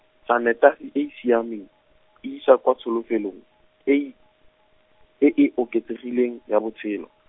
sanetasi e e siameng, e isa kwa tsholofelong, e e, e e oketsegileng, ya botshelo.